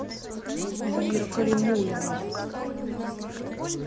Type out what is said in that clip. эльмира калимуллина